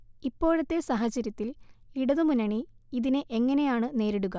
ഇപ്പോഴത്തെ സാഹചര്യത്തിൽ ഇടതുമുന്നണി ഇതിനെ എങ്ങനെയാണ് നേരിടുക